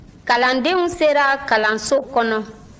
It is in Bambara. kalandenw sera kalanso kɔnɔ